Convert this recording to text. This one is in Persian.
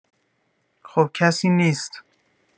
خب کسی نیست